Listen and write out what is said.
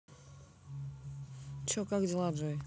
че как дела джой